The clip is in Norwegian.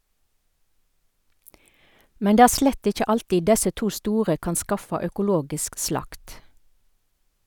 Men det er slett ikkje alltid desse to store kan skaffa økologisk slakt.